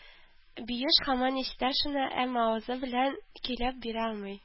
Биюш һаман ишетә шуны, әмма авызы белән көйләп бирә алмый.